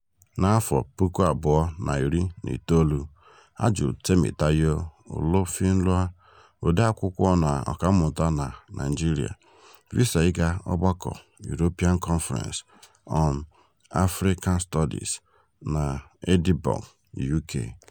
N'afọ 2019, a jụrụ Temitayo Olofinlua, odee akwụkwọ na ọkàmmụta na Naịjirịa, visa ịga ogbako European Conference on African Studies na Edinburgh, UK.